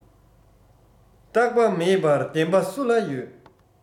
རྟག པ མེད པར བདེན པ སུ ལ ཡོད